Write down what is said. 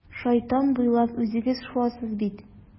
Шайтан буйлап үзегез шуасыз бит.